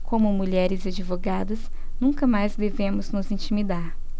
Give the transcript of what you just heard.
como mulheres e advogadas nunca mais devemos nos intimidar